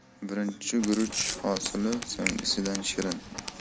birinchi guruch hosili so'nggisidan shirin